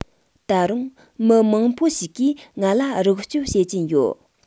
ད རུང མི མང པོ ཞིག གིས ང ལ རོགས སྐྱོབ བྱེད ཀྱིན ཡོད